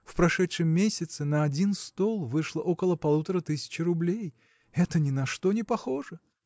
в прошедшем месяце на один стол вышло около полуторы тысячи рублей это ни на что не похоже!